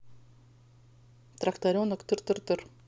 тракторенок тыр тыр тыр